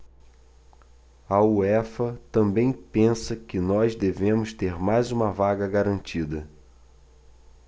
a uefa também pensa que nós devemos ter mais uma vaga garantida